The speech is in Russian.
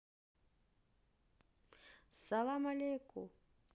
салам алеку